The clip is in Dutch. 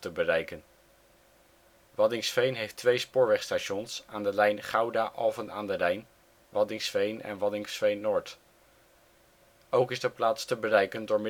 bereiken. Waddinxveen heeft twee spoorwegstations aan de lijn Gouda - Alphen aan den Rijn, Waddinxveen en Waddinxveen Noord. Ook is de plaats te bereiken door